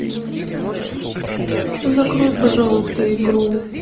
закрой пожалуйста игру